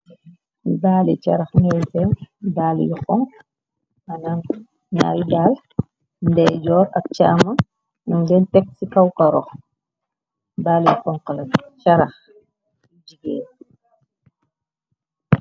Daale carax ngay sen, daali yu xonxa manan ñaari daale ndejoor ak chaamonj nangeen teg ci kaw karo, daali yu xonxa la carax yu jigéen.